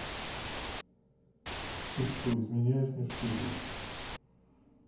ты что изменяешь мне что ли